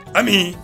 Ami